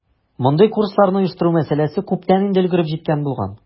Мондый курсларны оештыру мәсьәләсе күптән инде өлгереп җиткән булган.